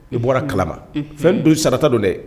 I bɔra kalama fɛn don sarata don dɛ